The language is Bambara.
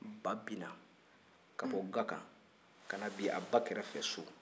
ba binna ka bɔ ga kan ka na bin a ba kɛrɛfɛ so